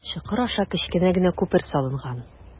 Чокыр аша кечкенә генә күпер салынган.